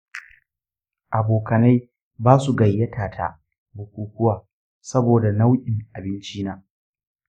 abokanai basu gayyata ta bukukuwa saboda nau'in abincina.